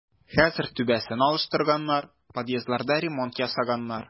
Хәзер түбәсен алыштырганнар, подъездларда ремонт ясаганнар.